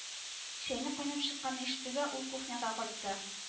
Чәйнек кайнап чыкканны ишетүгә ул кухняга кайтты